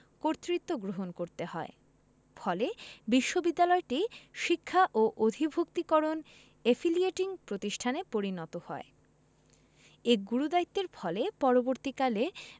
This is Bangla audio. কর্তৃত্ব গ্রহণ করতে হয় ফলে বিশ্ববিদ্যালয়টি শিক্ষা ও অধিভূক্তিকরণ এফিলিয়েটিং প্রতিষ্ঠানে পরিণত হয় এ গুরুদায়িত্বের ফলে পরবর্তীকালে